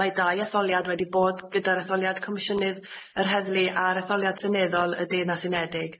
Mae dau etholiad wedi bod gyda'r etholiad Comisiynydd yr Heddlu a'r etholiad Seneddol y Deyrnas Unedig.